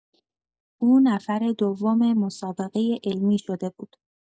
او نفر دوم مسابقۀ علمی شده بود.